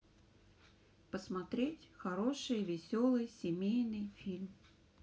посмотреть хороший веселый семейный фильм